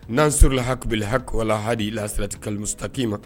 N'an sla habl hako la hal las sirarati kalita kkii ma